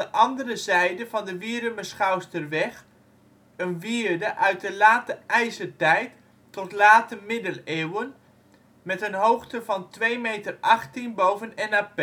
andere zijde van de Wierumerschouwsterweg een wierde uit de late ijzertijd tot late middeleeuwen met een hoogte van 2,18 meter boven NAP